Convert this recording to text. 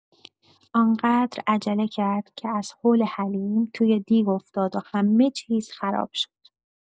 آن‌قدر عجله کرد که از هول حلیم توی دیگ افتاد و همه‌چیز خراب شد.